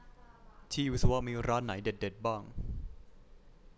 ที่วิศวะมีร้านไหนเด็ดเด็ดบ้าง